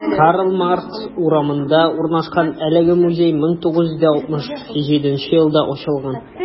Карл Маркс урамында урнашкан әлеге музей 1967 елда ачылган.